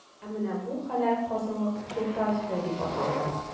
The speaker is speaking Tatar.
Ә менә бу – хәләл казылык,“Султанская” дип аталган.